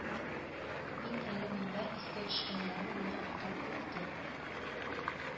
Мин әле монда искә төшкәннәрен генә атап үттем